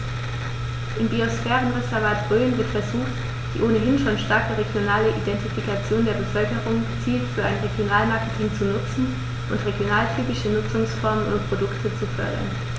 Im Biosphärenreservat Rhön wird versucht, die ohnehin schon starke regionale Identifikation der Bevölkerung gezielt für ein Regionalmarketing zu nutzen und regionaltypische Nutzungsformen und Produkte zu fördern.